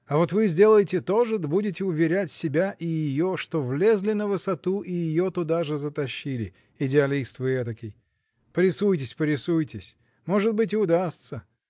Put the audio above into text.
А вот вы сделаете то же, да будете уверять себя и ее, что влезли на высоту и ее туда же затащили — идеалист вы этакий! Порисуйтесь, порисуйтесь! Может быть, и удастся.